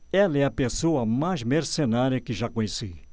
ela é a pessoa mais mercenária que já conheci